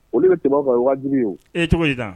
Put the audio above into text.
Olu bɛ tɛmɛ fɛ ye wajibi ye e ye cogo di da